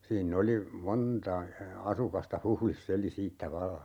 siinä oli monta asukasta Huhdissa eli siitä vallan